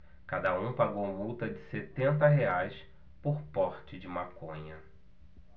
cada um pagou multa de setenta reais por porte de maconha